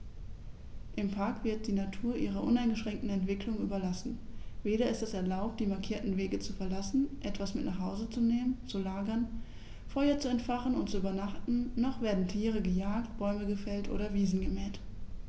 Im Park wird die Natur ihrer uneingeschränkten Entwicklung überlassen; weder ist es erlaubt, die markierten Wege zu verlassen, etwas mit nach Hause zu nehmen, zu lagern, Feuer zu entfachen und zu übernachten, noch werden Tiere gejagt, Bäume gefällt oder Wiesen gemäht.